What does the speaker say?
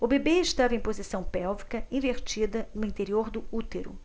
o bebê estava em posição pélvica invertida no interior do útero